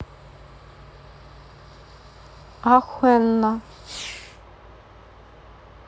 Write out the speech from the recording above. охуено